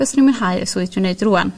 byswn i' mwynhau y swydd dwi neud rŵan